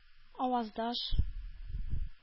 Аваздаш